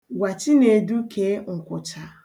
Gwa Chinedu kee nkwụcha.